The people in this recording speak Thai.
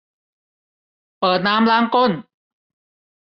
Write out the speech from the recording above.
เปิดน้ำล้างก้น